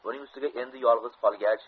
buning ustiga endi yolg'iz qolgach